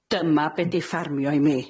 Dyma be' di ffarmio i mi.